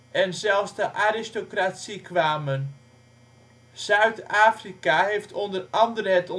en zelfs de aristocratie kwamen. Zuid-Afrika heeft onder andere het